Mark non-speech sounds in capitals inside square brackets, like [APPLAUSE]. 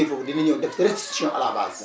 bu jógee foofu dina ñëw [CROSSTALK] def si restitution à la base